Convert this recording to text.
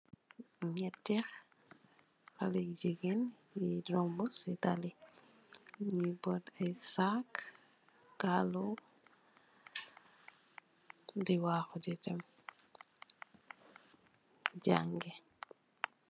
Nyeeti xale yu jigeen yoi romba si taali bi nyu bott ay saag kalu di waxu di dem jànge.